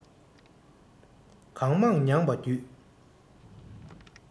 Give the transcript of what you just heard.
གང མང མྱངས པ བརྒྱུད